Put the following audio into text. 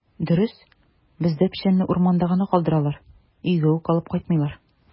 Дөрес, бездә печәнне урманда гына калдыралар, өйгә үк алып кайтмыйлар.